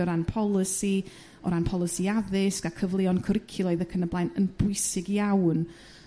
o ran polisi o ran polisi addysg a cyfleuon cwricwlaidd ac yn y blaen yn bwysig iawn